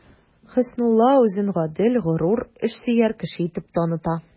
Хөснулла үзен гадел, горур, эшсөяр кеше итеп таныта.